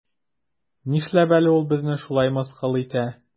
Нишләп әле ул безне шулай мыскыл итә?